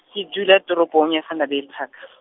ke dula toropong ya Vanderbijlpark .